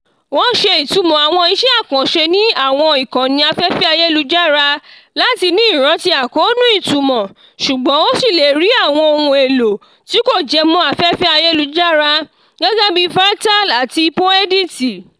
Wọ́n ṣe ìtumọ̀ àwọn iṣẹ́ àkànṣe ní àwọn ìkànnì afẹ́fẹ́ ayélujára láti ni ìrántí àkóónú ìtumọ̀, ṣùgbọ́n ó ṣì lè rí àwọn òhun èlò tí kò jẹmọ́ afẹ́fẹ́ ayélujára gẹ́gẹ́ bíi Virtaal àti Poedit.